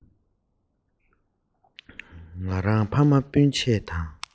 ང རང ཕ མ སྤུན ཆེད དང